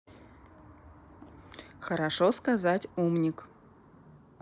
хорошо сказать умник